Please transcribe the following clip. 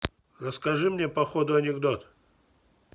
расскажи мне походу анекдот